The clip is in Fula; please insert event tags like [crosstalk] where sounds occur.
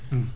[hesitation] [hesitation]